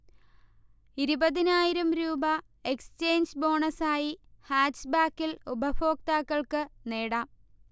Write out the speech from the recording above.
ഇരുപതിനായിരം രൂപ എക്സ്ചേഞ്ച് ബോണസായി ഹാച്ച്ബാക്കിൽ ഉപഭോക്താക്കൾക്ക് നേടാം